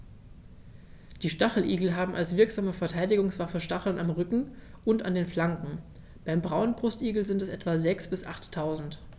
Die Stacheligel haben als wirksame Verteidigungswaffe Stacheln am Rücken und an den Flanken (beim Braunbrustigel sind es etwa sechs- bis achttausend).